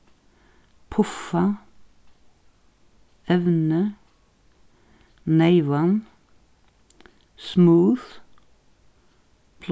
puffa evnið neyvan smooth